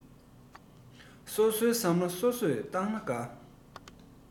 སོ སོའི བསམ བློ སོ སོས བཏང ན དགའ